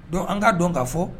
Donc an k'a dɔn k'a fɔ